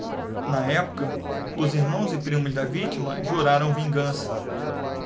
na época os irmãos e primos da vítima juraram vingança